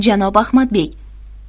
janob ahmadbek